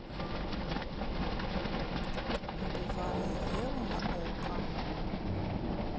убивая еву на окко